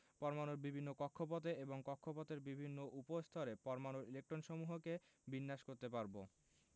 পরমাণুর বিভিন্ন কক্ষপথে এবং কক্ষপথের বিভিন্ন উপস্তরে পরমাণুর ইলেকট্রনসমূহকে বিন্যাস করতে পারব